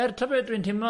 Er ta be dwi'n teimlo.